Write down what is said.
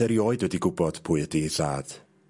...erioed wedi gwbod pwy ydi ei thad.